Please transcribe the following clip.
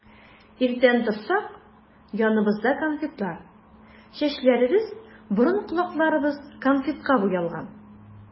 Иртән торсак, яныбызда конфетлар, чәчләребез, борын-колакларыбыз конфетка буялган.